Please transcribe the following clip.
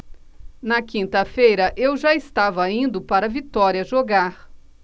na quinta-feira eu já estava indo para vitória jogar